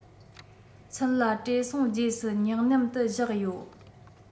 ཚུན ལ བྲེལ སོང རྗེས སུ བསྙེགས མཉམ དུ བཞག ཡོད